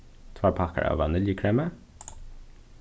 tveir pakkar av vaniljukremi